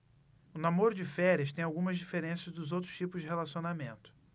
o namoro de férias tem algumas diferenças dos outros tipos de relacionamento